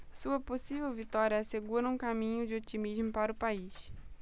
sua possível vitória assegura um caminho de otimismo para o país